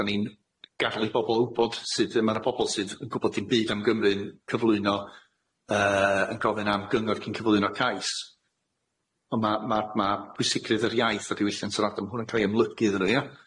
da ni'n gallu bobol wbod sud yy ma' na pobol sydd yn gwbod dim byd am Gymru'n cyflwyno yy yn gofyn am gyngor cyn cyflwyno cais, on' ma' ma' ma' pwysigrwydd yr iaith a diwylliant yr ardal ma' hwnna'n ca'l i ymlygu iddyn nw ia?